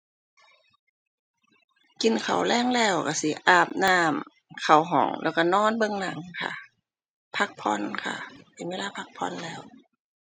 กินข้าวแลงแล้วก็สิอาบน้ำ เข้าห้อง แล้วก็นอนเบิ่งหนังค่ะ พักผ่อนค่ะ เป็นเวลาพักผ่อนแล้ว